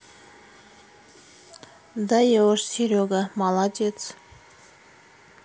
даешь серега молодец